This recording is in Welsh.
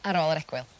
ar ôl yr egwyl.